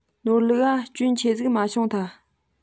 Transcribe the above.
ནོར ལུག ག སྐྱོན ཆེ ཟིག མ བྱུང ཐལ